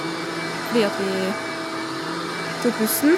Fordi at vi tok bussen.